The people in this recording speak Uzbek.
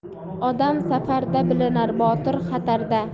odam safarda bilinar botir xatarda